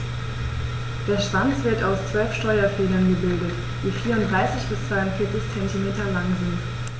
Der Schwanz wird aus 12 Steuerfedern gebildet, die 34 bis 42 cm lang sind.